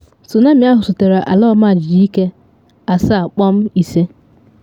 Tsunami ahụ sotere ala ọmajiji ike 7.5.